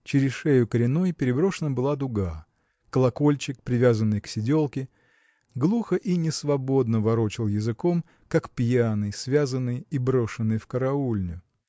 Через шею коренной переброшена была дуга. Колокольчик привязанный к седелке глухо и несвободно ворочал языком как пьяный связанный и брошенный в караульню.